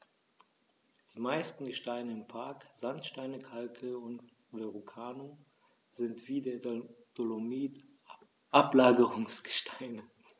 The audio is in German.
Die meisten Gesteine im Park – Sandsteine, Kalke und Verrucano – sind wie der Dolomit Ablagerungsgesteine.